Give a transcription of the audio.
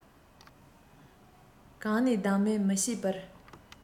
གང ནས ལྡང མིན མི ཤེས པའི